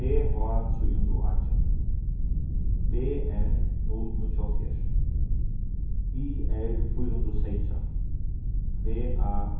p h trý hundrað og átjan b n null níggjuoghálvfjerðs y r fýra hundrað og seytjan v a